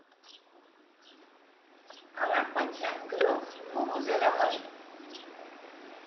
Արամ Պաչյան, գրող֊վուվուզելահար։